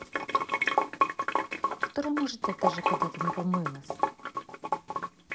которая может тебя даже когда ты не помылась